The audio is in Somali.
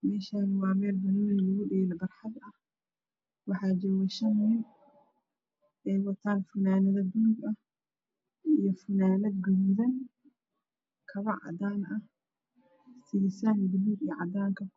Halkan waa mel banoni lago dhelo waa joogo ciyarto dharka eey watan waa boluug calan iyo boluug calan iyo boluug